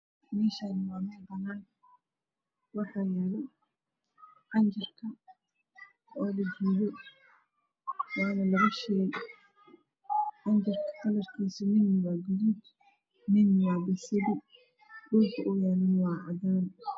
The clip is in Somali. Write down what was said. Meeshan waa mel banaan ah waxaa yaalo qalab oo lajiido waana laba sheey cinjirka kalarkiisu midna waa guduud midna basali dhulka uu yaalana waa cadaan